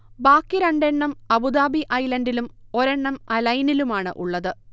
ബാക്കി രണ്ടെണ്ണം അബുദാബി ഐലൻഡിലും ഒരെണ്ണം അൽ ഐനിലുമാണുള്ളത്